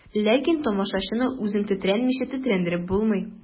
Ләкин тамашачыны үзең тетрәнмичә тетрәндереп булмый.